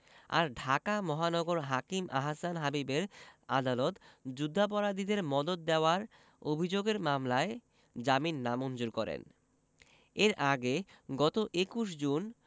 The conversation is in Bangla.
আর ঢাকা মহানগর হাকিম আহসান হাবীবের আদালত যুদ্ধাপরাধীদের মদদ দেওয়ার অভিযোগের মামলায় জামিন নামঞ্জুর করেন এর আগে গত ২১ জুন